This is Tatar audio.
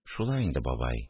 – шулай инде, бабай.